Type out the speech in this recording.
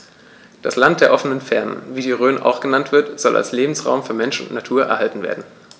Das „Land der offenen Fernen“, wie die Rhön auch genannt wird, soll als Lebensraum für Mensch und Natur erhalten werden.